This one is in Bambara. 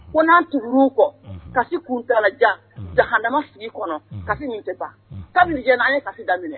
Ko n'an tugur'u kɔ unhun kasi kuntaalajan unhun jahanama sigi kɔnɔ unhun kasi min tɛ ban unhun kabini diɲɛ na an ye kasi daminɛ